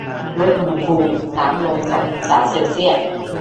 ลดอุณหภูมิน้ำลงสององศาเซลเซียส